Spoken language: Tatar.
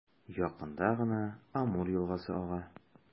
Якында гына Амур елгасы ага.